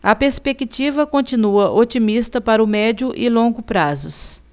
a perspectiva continua otimista para o médio e longo prazos